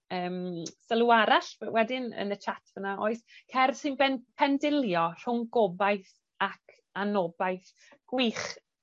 yym sylw arall b- wedyn yn y chat fyna, oes. Cerdd sy'n ben- pendilio rhwng gobaith ac anobaith. Gwych.